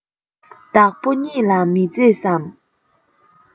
བདག པོ ཉིད ལ མི མཛེས སམ